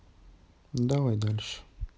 давай дальше